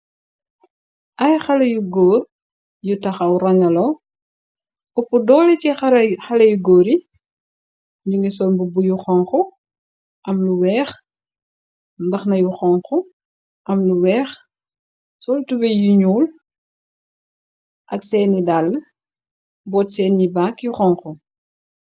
ay xala yu góor yu taxaw rangalo opp doole ci xaleyu góor i nu ngi soon bubbu yu xongo am lu weex mbaxna yu xonxu am lu weex sol tube yu ñuul ak seeni dall boot seen yi baag yu xongo.